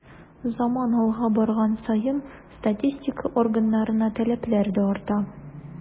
Заман алга барган саен статистика органнарына таләпләр дә арта.